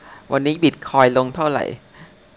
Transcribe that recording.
วันนี้บิทคอยน์ลงเท่าไหร่